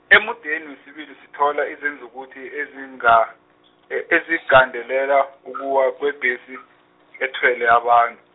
emudeni wesibili sithola izenzukuthi ezinga- ezigandelela, ukuwa kwebhesi, ethwele abantu.